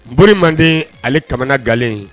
Boli manden ale ta gɛlɛn